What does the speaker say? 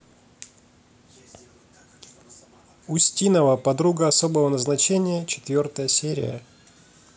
устинова подруга особого назначения четвертая серия